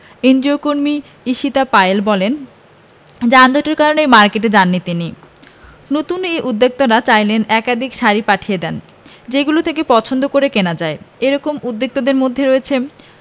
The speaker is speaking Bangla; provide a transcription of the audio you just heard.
এনজিওকর্মী ঈশিতা পায়েল বলেন যানজটের কারণেই মার্কেটে যাননি তিনি নতুন এই উদ্যোক্তারা চাইলে একাধিক শাড়ি পাঠিয়ে দেন যেগুলো থেকে পছন্দ করে কেনা যায় এ রকম উদ্যোক্তাদের মধ্যে রয়েছে